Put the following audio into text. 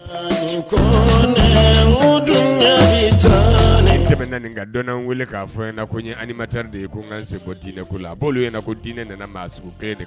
Dɔnni wele k' fɔ ma de ye ko n kase ko dinɛ ko a b' ɲɛna ko dinɛ nana maa de